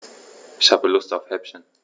Ich habe Lust auf Häppchen.